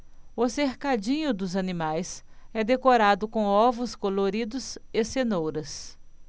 o cercadinho dos animais é decorado com ovos coloridos e cenouras